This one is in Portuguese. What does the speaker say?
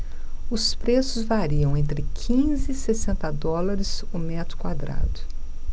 os preços variam entre quinze e sessenta dólares o metro quadrado